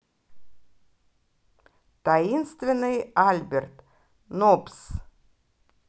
таинственный альберт ноббс